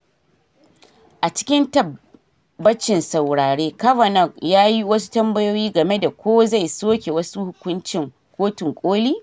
A cikin tabbacin saurare, Kavanaugh ya yi wasu tambayoyi game da ko zai soke wasu hukuncin Kotun Koli.